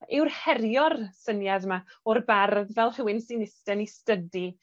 yw'r herio'r syniad yma o'r bardd fel rhywun sy'n iste yn 'i stydi